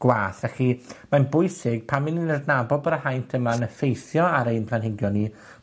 gwath. Felly, mae'n bwysig, pan 'yn ni'n adnabod bo'r y haint yma'n effeithio ar ein planhigion ni,